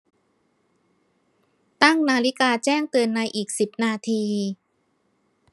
ตั้งนาฬิกาแจ้งเตือนในอีกสิบนาที